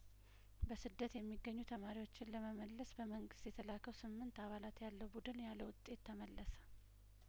በስደት የሚገኙ ተማሪዎችን ለመመለስ በመንግስት የተላከው ስምንት አባላት ያለው ቡድን ያለውጤት ተመለሰ